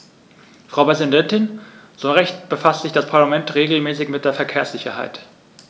Frau Präsidentin, zu Recht befasst sich das Parlament regelmäßig mit der Verkehrssicherheit.